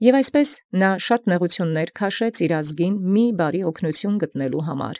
Եւ այնպէս բազում աշխատութեանց համբերեալ վասն իւրոյ ազգին բարեաց ինչ աւճան գտանելոյ։